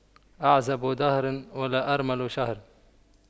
أعزب دهر ولا أرمل شهر